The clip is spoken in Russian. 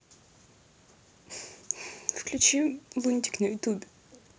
включить лунтик на ютубе